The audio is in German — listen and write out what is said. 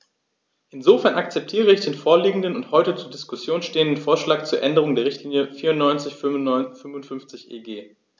Insofern akzeptiere ich den vorliegenden und heute zur Diskussion stehenden Vorschlag zur Änderung der Richtlinie 94/55/EG.